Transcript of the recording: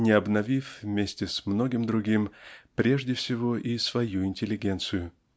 не обновив (вместе с многим другим) прежде всего и свою интеллигенцию.